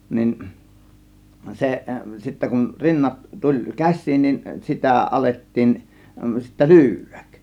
niin se sitten kun rinnat tuli käsiin niin sitä alettiin sitten lyödä